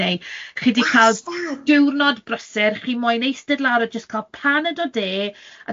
Wastad ...neu chi 'di cael diwrnod brysur, chi moyn eistedd lawr a jyst cael paned o de,